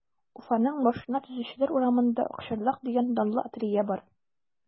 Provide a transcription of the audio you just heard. Уфаның Машина төзүчеләр урамында “Акчарлак” дигән данлы ателье бар.